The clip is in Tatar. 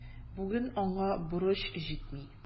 Бүген аңа борыч җитми.